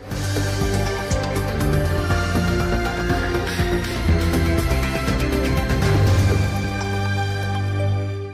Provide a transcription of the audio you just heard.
Maa